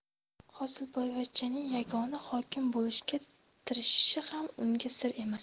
hosilboyvachchaning yagona hokim bo'lishga tirishishi ham unga sir emas